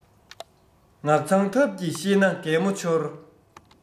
ངག མཚང ཐབས ཀྱིས ཤེས ན གད མོ འཆོར